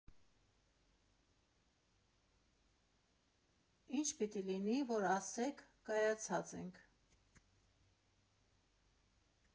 Ի՞նչ պիտի լինի, որ ասեք՝ կայացած ենք։